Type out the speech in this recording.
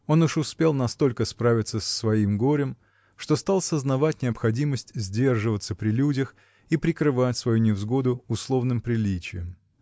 Он уж успел настолько справиться с своим горем, что стал сознавать необходимость сдерживаться при людях и прикрывать свою невзгоду условным приличием.